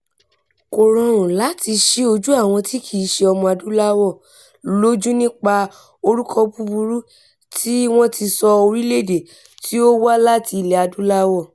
Kò rọrùn láti ṣí ojú àwọn tí kì í ṣe ọmọ-adúláwọ̀ lójú nípa orúkọ búburú tí wọn ti sọ orílẹ̀-èdè tí ó wá láti Ilẹ̀-adúláwọ̀.